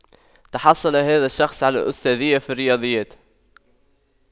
تحصل هذا الشخص على الأستاذية في الرياضيات